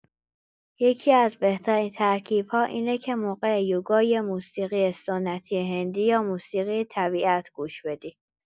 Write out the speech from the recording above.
یکی‌از بهترین ترکیب‌ها اینه که موقع یوگا یه موسیقی سنتی هندی یا موسیقی طبیعت گوش بدی.